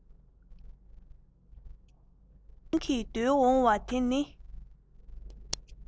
རང བཞིན གྱིས བརྡོལ འོང བ དེ ནི